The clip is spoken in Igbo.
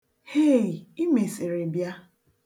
Hei! imesịrị bịa.